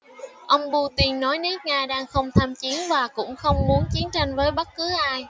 ông putin nói nước nga đang không tham chiến và cũng không muốn chiến tranh với bất cứ ai